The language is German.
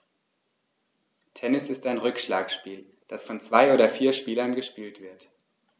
Tennis ist ein Rückschlagspiel, das von zwei oder vier Spielern gespielt wird.